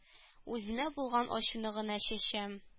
Үземә булган ачуны гына чәчәм